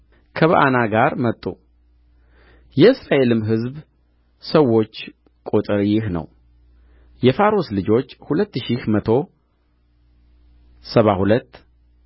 ከበዓና ጋር መጡ የእስራኤልም ሕዝብ ሰዎች ቍጥር ይህ ነው የፋሮስ ልጆች ሁለት ሺህ መቶ ሰባ ሁለት